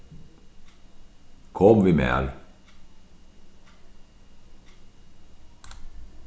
kom við mær